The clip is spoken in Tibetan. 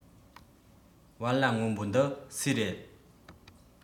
བལ ལྭ སྔོན པོ འདི སུའི རེད